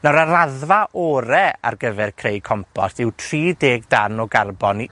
Nawr, y raddfa ore ar gyfer creu compost yw tri deg darn o garbon i